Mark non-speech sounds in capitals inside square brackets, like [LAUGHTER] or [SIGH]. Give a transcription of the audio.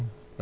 [HESITATION] [HESITATION]